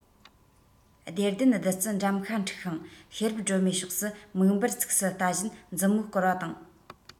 བདེ ལྡན བདུད རྩི འགྲམ ཤ འཁྲིགས ཤིང ཤེས རབ སྒྲོལ མའི ཕྱོགས སུ མིག འབུར ཚུགས སུ ལྟ བཞིན མཛུབ མོར བསྐོར བ དང